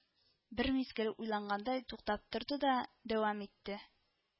Бер мизгел уйлангандай туктап торды да дәвам итте: